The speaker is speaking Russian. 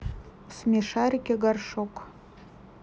смешарики горшок